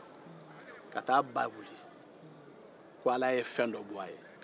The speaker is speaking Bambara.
a taara a ba weele ko ala ye fɛn dɔ bɔ a ye